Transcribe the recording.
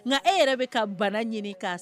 Nka e yɛrɛ bɛ ka bana ɲini kan